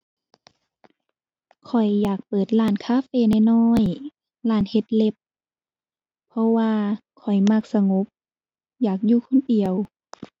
ข้อยอยากเปิดร้านคาเฟน้อยน้อย ร้านเฮ็ดเล็บ เพราะว่าข้อยมักสงบ อยากอยู่คนเดียว